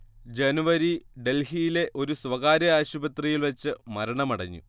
ജനുവരി ഡൽഹിയിലെ ഒരു സ്വകാര്യ ആശുപത്രിയിൽ വച്ച് മരണമടഞ്ഞു